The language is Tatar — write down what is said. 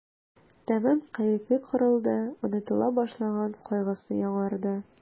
Тәмам кәефе кырылды, онытыла башлаган кайгысы яңарды.